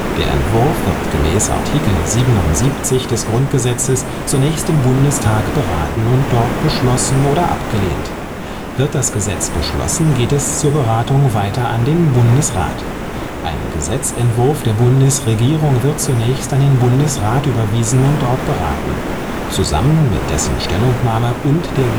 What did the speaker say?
Der Entwurf wird gemäß Art. 77 des Grundgesetzes zunächst im Bundestag beraten und dort beschlossen oder abgelehnt. Wird das Gesetz beschlossen geht es zur Beratung weiter an den Bundesrat. Ein Gesetzentwurf der Bundesregierung wird zunächst an den Bundesrat überwiesen und dort beraten. Zusammen mit dessen Stellungnahme und der